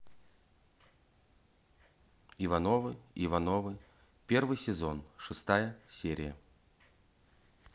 ивановы ивановы первый сезон шестая серия